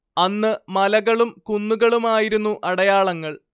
അന്ന്‌ മലകളും കുന്നുകളുമായിരുന്നു അടയാളങ്ങൾ